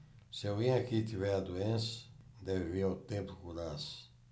se alguém aqui tiver a doença deve vir ao templo curar-se